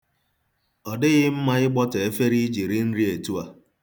Ọ dịghị mma ịgbọtọ efere iji ri nri etu a.